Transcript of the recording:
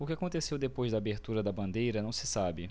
o que aconteceu depois da abertura da bandeira não se sabe